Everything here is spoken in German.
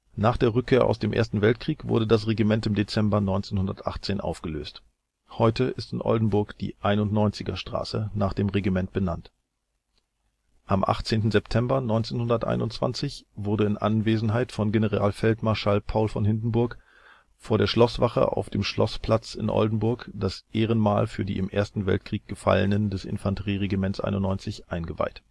Nach der Rückkehr aus dem Ersten Weltkrieg wurde das Regiment im Dezember 1918 aufgelöst. Heute ist in Oldenburg die 91er Straße nach dem Regiment benannt. Am 18. September 1921 wurde in Anwesenheit von Generalfeldmarschall Paul von Hindenburg vor der Schlosswache auf dem Schlossplatz in Oldenburg das Ehrenmal für die im Ersten Weltkrieg Gefallenen des Infanterie-Regiments 91 eingeweiht